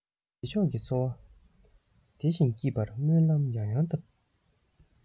རྗེས ཕྱོགས ཀྱི འཚོ བ བདེ ཞིང སྐྱིད པར སྨོན ལམ ཡང ཡང བཏབ